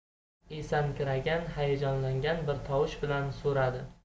esankiragan hayajonlangan bir tovush bilan so'radi